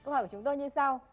câu hỏi của chúng tôi như sau